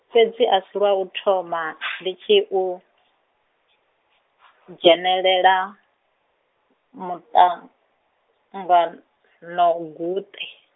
fhedzi a si lwa u thoma ndi tshi u, dzhenelela, muṱang- -ngan- -noguṱe.